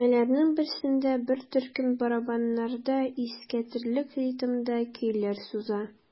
Бүлмәләрнең берсендә бер төркем барабаннарда искитәрлек ритмда көйләр суза.